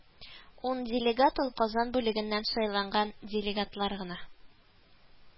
Ун делегат ул казан бүлегеннән сайланган делегатлар гына